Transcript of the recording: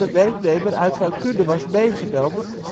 werknemer uit rancune was meegenomen